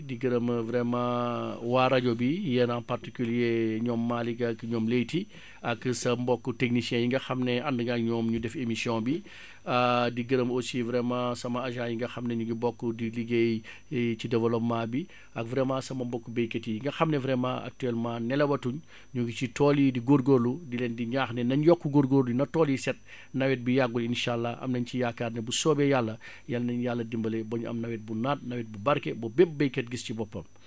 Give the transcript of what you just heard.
di gërëm vraiment waa rajo bi yéen en particulier ñoom Malick ak ñoom Leyti ak sa mbokku techniciens yi nga xam ne ànd nga ak ñoom ñu def émission bi di gërëm aussi vraiment sama agent yi nga xam ne ñu ngi bokk di liggéey ci développement bi ak vraiment sama mbokku baykat yi nga xam ne vraiment actuellement nelawatuñ ñu ngi ci tool yi di góorgóorlu di leen di ñaax ne nañ yokku góorgóorlu na tool yi set nawet bi yàggul insaa àllaa am nañ ci yaakaar ne bu soobee Yàlla Yal na ñu Yàlla dimbale ba ñu am nawet bu naat nawet bu barke bu bépp baykat gis ci boppam